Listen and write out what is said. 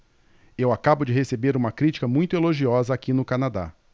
eu acabo de receber uma crítica muito elogiosa aqui no canadá